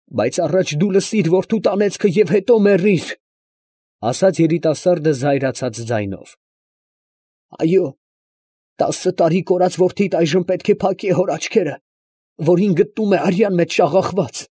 Բայց առաջ դու լսի՛ր որդուդ անեծքը և հետո մեռիր, ֊ ասաց երիտասարդը զայրացած ձայնով։ ֊ Այո՛, տասը տարի կորած որդիդ այժմ պետք է փակե հոր աչքերը, որին գտնում է արյան մեջ շաղախված։